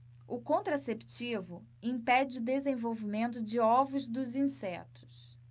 o contraceptivo impede o desenvolvimento de ovos dos insetos